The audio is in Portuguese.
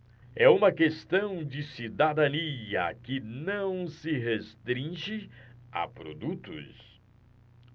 é uma questão de cidadania que não se restringe a produtos